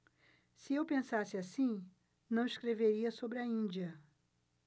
se eu pensasse assim não escreveria sobre a índia